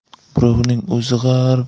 birovning o'zi g'ar